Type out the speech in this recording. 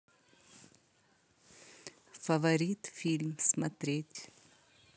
фаворит фильм смотреть